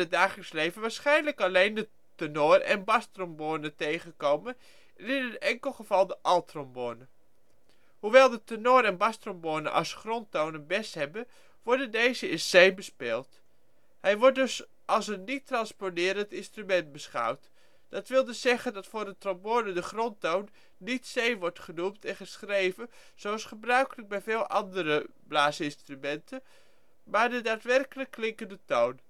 dagelijks leven waarschijnlijk alleen de tenor - en bastrombone tegenkomen en in een enkel geval de alttrombone. Hoewel de tenor - en bastrombone als grondtoon een Bes hebben, worden deze in C bespeeld. Hij wordt dus als een niet transponerend instrument beschouwd. Dat wil dus zeggen dat voor een trombone de grondtoon niet C wordt genoemd en geschreven, zoals gebruikelijk bij veel andere blaasintrumenten, maar de daadwerkelijk klinkende toon